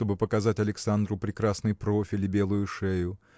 чтобы показать Александру прекрасный профиль и белую шею